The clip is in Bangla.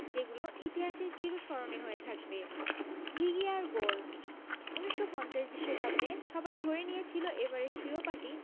যেগুলো ইতিহাসে চিরস্মরণীয় হয়ে থাকবে ঘিঘিয়ার গোল ১৯৫০ বিশ্বকাপে সবাই ধরেই নিয়েছিল এবারের শিরোপাটি